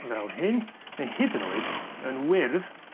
fel hyn neu hyd yn oed yn wyrdd